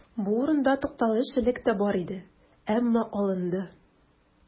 Бу урында тукталыш элек тә бар иде, әмма алынды.